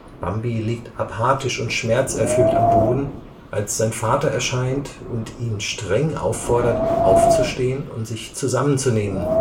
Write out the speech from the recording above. Bambi liegt apathisch und schmerzerfüllt am Boden, als sein Vater erscheint und ihn streng auffordert, aufzustehen und sich zusammenzunehmen